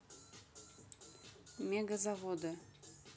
мега заводы